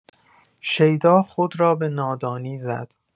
شیدا خود را به نادانی زد.